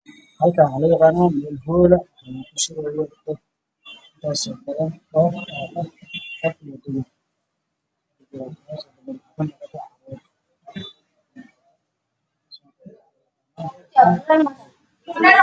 Halkani waa meel hool ah waxa fadhiyo dad badan oo rag iyo dumar iskugu jiro